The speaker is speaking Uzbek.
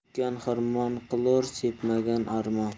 sepgan xirmon qilur sepmagan armon